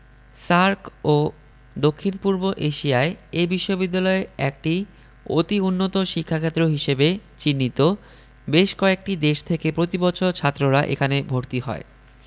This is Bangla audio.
সার্ক ও দক্ষিণ পূর্ব এশিয়ায় এ বিশ্ববিদ্যালয় একটি অতি উন্নত শিক্ষাক্ষেত্র হিসেবে চিহ্নিত বেশ কয়েকটি দেশ থেকে প্রতি বছর ছাত্ররা এখানে ভর্তি হয়